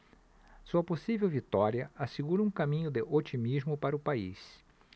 sua possível vitória assegura um caminho de otimismo para o país